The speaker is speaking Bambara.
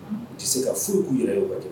Tɛ se ka furu'u yɛrɛ ye